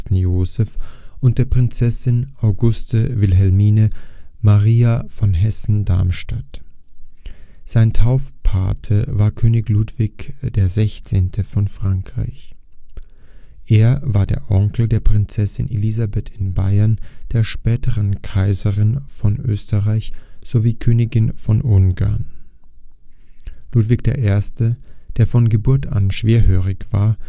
Joseph und der Prinzessin Auguste Wilhelmine Maria von Hessen-Darmstadt. Sein Taufpate war König Ludwig XVI. von Frankreich. Er war der Onkel der Prinzessin Elisabeth in Bayern, der späteren Kaiserin von Österreich sowie Königin von Ungarn. Ludwig I., der von Geburt an schwerhörig war